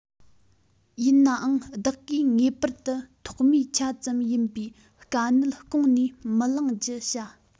ཡིན ནའང བདག གིས ངེས པར དུ ཐོག མའི ཆ ཙམ ཡིན པའི དཀའ གནད བསྐུང ནས མི གླེང རྒྱུ བྱ